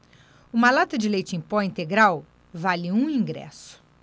uma lata de leite em pó integral vale um ingresso